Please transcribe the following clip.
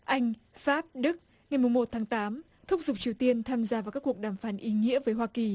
anh pháp đức ngày mùng một tháng tám thúc giục triều tiên tham gia vào các cuộc đàm phán ý nghĩa với hoa kỳ